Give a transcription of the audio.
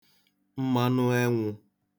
mmanụ enwụ̄